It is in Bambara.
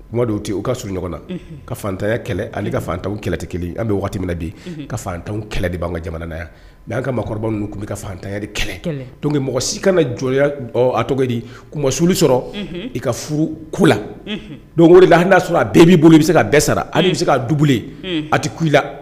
Kuma dɔw ten u ka surun ɲɔgɔn na ka fatanya kɛlɛ ani ka fatanw kɛlɛ tɛ kelen an bɛ waati min bi ka fatanw kɛlɛ de ban ka jamana yan mɛ an ka mɔgɔkɔrɔba ninnu tun bɛ ka fantanri kɛlɛ don mɔgɔ si kana jɔn a di kumasuli sɔrɔ i ka furu ku la donla hali'a sɔrɔ a bɛɛ b'i bolo i bɛ se kaa bɛɛ sara hali bɛ se k' dugu a tɛ ku i la